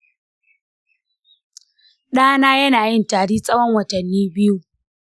ɗana yana yin tari tsawon watanni biyu.